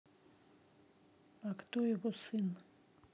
а кто его сын